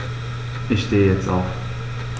Ich stehe jetzt auf.